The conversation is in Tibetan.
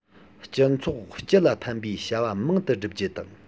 སྤྱི ཚོགས སྤྱི ལ ཕན པའི བྱ བ མང དུ སྒྲུབ རྒྱུ དང